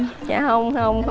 dạ không không